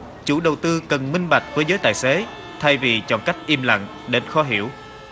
chủ đầu tư cần minh bạch với giới tài xế thay vì chọn cách im lặng đến khó hiểu